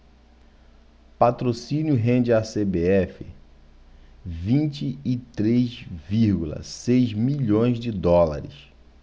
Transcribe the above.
patrocínio rende à cbf vinte e três vírgula seis milhões de dólares